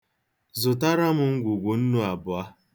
Zụtara m ngwugwu nnu abụọ.